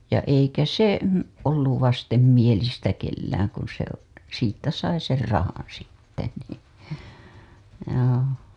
ja eikä se ollut vastenmielistä kenelläkään kun se siitä sai sen rahan sitten niin joo